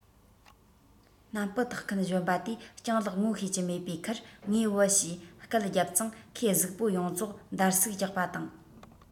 སྣམ སྤུ འཐགས མཁན གཞོན པ དེས སྤྱང ལགས ངོ ཤེས ཀྱི མེད པའི ཁར ངའི བུ ཞེས སྐད རྒྱབ ཙང ཁོའི གཟུགས པོ ཡོངས རྫོགས འདར གསིག རྒྱག པ དང